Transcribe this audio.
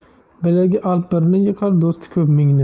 bilagi alp birni yiqar do'sti ko'p mingni